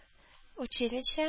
Училище